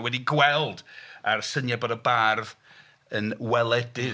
Wedi gweld A'r syniad bod y bardd yn weledydd... hmm.